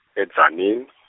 e- Tzaneen .